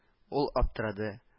Ул аптырады